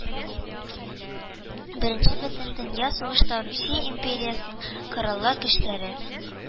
Беренче бөт беренче бөтендөнья сугышында Русия империясының Кораллы көчләре